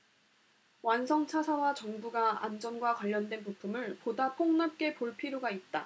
완성차사와 정부가 안전과 관련된 부품을 보다 폭 넓게 볼 필요가 있다